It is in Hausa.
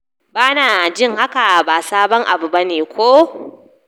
"" "Bana jin hakan ba sabon abu bane, ko?"."